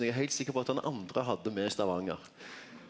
eg er heilt sikker på at han andre hadde med Stavanger.